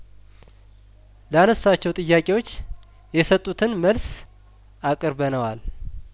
ላነሷቸው ጥያቄዎች የሰጡትን መልስ አቅርበነዋል